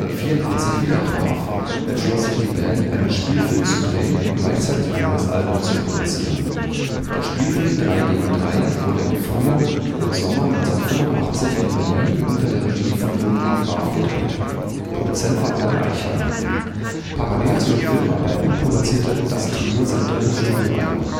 1984 wieder traf, entschloss sich die Band, einen Spielfilm zu drehen und gleichzeitig ein neues Album zu produzieren. Der Spielfilm „ Drei gegen Drei “wurde im Frühjahr und Sommer 1985 in Berlin unter der Regie von Dominik Graf gedreht. Produzent war Bernd Eichinger. Parallel zu den Filmarbeiten produzierte das Trio sein drittes Studio-Album